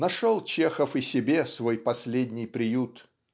нашел Чехов и себе свой последний приют.